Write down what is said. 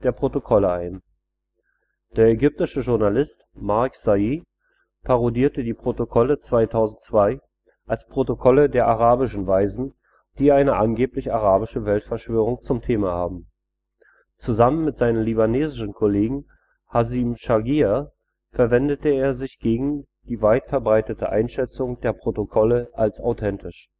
Protokolle ein. Der ägyptische Journalist Mark Sayegh parodierte die Protokolle 2002 als Protokolle der arabischen Weisen, die eine angebliche arabische Weltverschwörung zum Thema haben. Zusammen mit seinem libanesischen Kollegen Hazim Saghiya wendet er sich gegen die weit verbreitete Einschätzung der Protokolle als authentisch